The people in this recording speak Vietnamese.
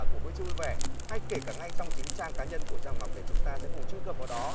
của bữa trưa vui vẻ hay kể cả ngay trong chính trang cá nhân của giang hồng ngọc để chúng ta sẽ cùng truy cập vào đó